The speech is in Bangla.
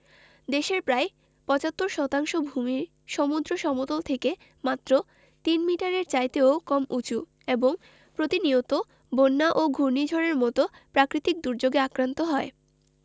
দেশের প্রায় ৭৫ শতাংশ ভূমিই সমুদ্র সমতল থেকে মাত্র তিন মিটারের চাইতেও কম উঁচু এবং প্রতিনিয়ত বন্যা ও ঘূর্ণিঝড়ের মতো প্রাকৃতিক দুর্যোগে আক্রান্ত হয়